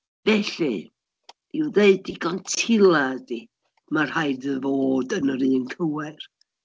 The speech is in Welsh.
Felly, ryw ddeud digon tila ydi, "ma' rhaid iddo fod yn yr un cywair".